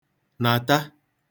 nàta